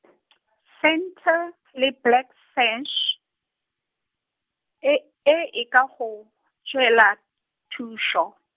Centre, le Black Sash, e e, e ka go, tswela, thuso.